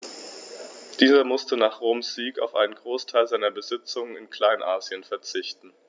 Dieser musste nach Roms Sieg auf einen Großteil seiner Besitzungen in Kleinasien verzichten.